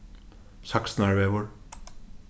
saksunarvegur